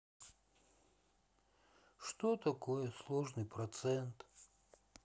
что такое сложный процент